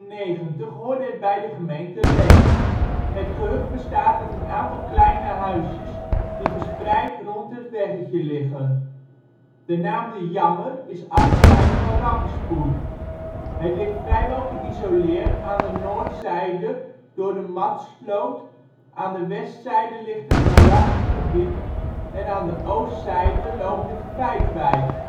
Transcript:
1990 hoorde het bij de gemeente Leek. Het gehucht bestaat uit een aantal kleine huisjes die verspreid rond het weggetje liggen. De naam De Jammer is afgeleid van rampspoed. Het ligt vrijwel geïsoleerd, aan de noordzijde door de Matsloot, aan de westzijde ligt een moerasachtig gebied, en aan de oostzijde loopt de Feithwijk